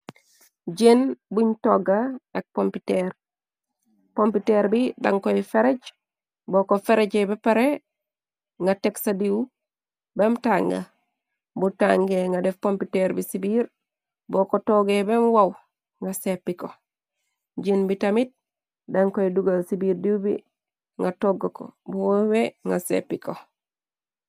Jen buñ togga ak pomputeer, pomputeer bi dankoy ferej. Bo kor fereje bepare, nga tegsa diiw bem tàng, bu tànge nga def pomputer bi ci biir, bo ko togge bem waw nga seppi ko. Jen bi tamit dan koy dugal ci biir diiw bi nga toggao bu waowe nga seppi ko.